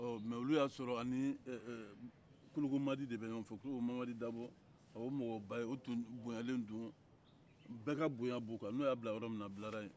ɔ mɛ olu y'a sɔrɔ a ni eee kologomadi de bɛ ɲɔgɔn fɛ kologomadi-kologomadi dabo o ye mɔgɔba ye o tun bonyanen don bɛɛ ka bonya b'o kan n'o y'a bila yɔrɔ min na a bilala yen